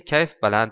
kayf baland